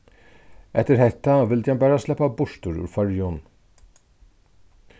eftir hetta vildi hann bara sleppa burtur úr føroyum